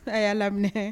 A y'a laminɛ